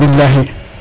Bilahi